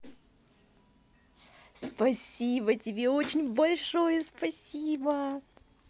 спасибо тебе очень большое спасибо